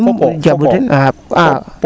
i fopo fopo fopo